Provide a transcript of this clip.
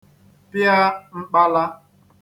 pịa mkpala